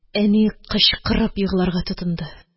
Әни кычкырып егларга тотынды.